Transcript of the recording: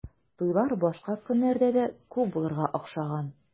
Туйлар башка көннәрдә дә күп булырга охшаган.